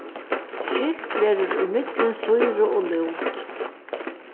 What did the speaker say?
skilt verður ímillum sýru og lút